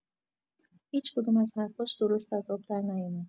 هیچ کدوم از حرفاش درست از آب در نیومد!